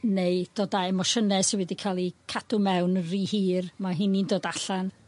Neu dod â emosiyne sy wedi ca'l 'u cadw mewn rhy hir, ma' rhini'n dod allan.